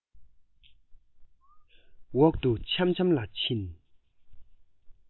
འོག ཏུ འཆམ འཆམ ལ ཕྱིན